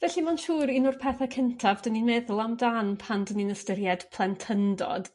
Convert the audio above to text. felly ma'n siŵr un o'r pethe cyntaf 'dyn ni'n meddwl amdan pan dyn ni'n ystyried plentyndod